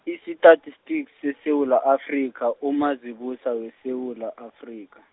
isitatestiki, seSewula Afrika, uMazibuse weSewula Afrika.